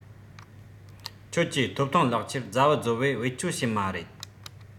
ཁྱེད ཀྱིས ཐོབ ཐང ལག ཁྱེར རྫབ བེ རྫོབ བེ བེད སྤྱོད བྱེད མ རེད